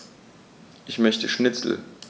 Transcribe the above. Ich möchte Schnitzel.